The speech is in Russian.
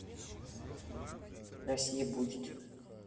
россия будет